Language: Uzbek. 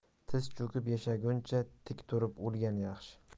tiz cho'kib yashaguncha tik turib o'lgan yaxshi